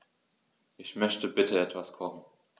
Ich möchte bitte etwas kochen.